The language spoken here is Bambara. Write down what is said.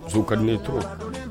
Su ka ne to